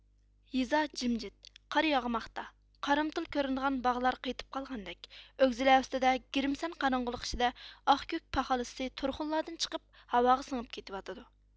يېزا جىمجىت قار ياغماقتا قارامتۇل كۆرۈنىدىغان باغلار قېتىپ قالغاندەك ئۆگزىلەر ئۈستىدە گىرىمسەن قاراڭغۇلۇق ئىچىدە ئاق كۆك پاخال ئىسى تۇرخۇنلاردىن چىقىپ ھاۋاغا سىڭىپ كېتىۋاتىدۇ